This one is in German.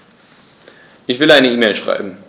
Ich will eine E-Mail schreiben.